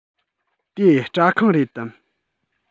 དེ སྐྲ ཁང རེད དམ